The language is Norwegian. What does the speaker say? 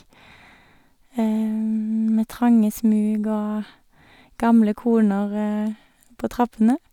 Med trange smug og gamle koner på trappene.